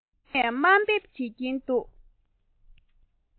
གཟེངས ནས དམའ འབེབས བྱེད ཀྱིན འདུག